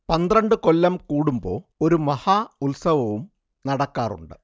പന്ത്രണ്ടു കൊല്ലം കൂടുമ്പോ ഒരു മഹാ ഉത്സവവും നടക്കാറുണ്ട്